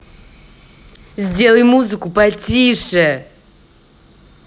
сделай музыку потише